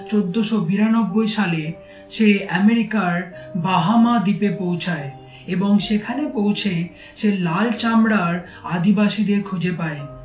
১৪৯২ সালে সে এমেরিকার বাহামা দ্বীপে পৌঁছায় এবং সেখানে পৌঁছেই সে লাল চামড়ার আদিবাসীদের খুঁজে পায়